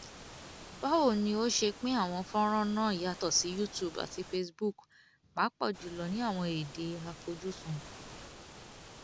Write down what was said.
Báwo ni o ṣe ń pín àwọn fọ́nràn náà yàtọ̀ sí YouTube àti Facebook, pàápàá jùlọ ní àwọn èdè àfojúsùn?